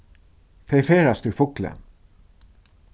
tey ferðast í fugloy